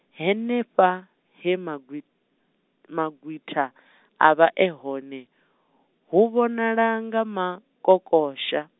henefha, he magwi-, magwitha avha e hone, hu vhonala nga makokosha.